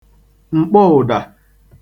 m̀kpọụ̀dà